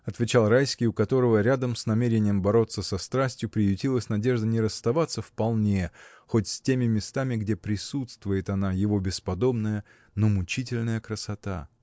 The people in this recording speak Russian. — отвечал Райский, у которого, рядом с намерением бороться со страстью, приютилась надежда не расставаться вполне хоть с теми местами, где присутствует она, его бесподобная, но мучительная красота!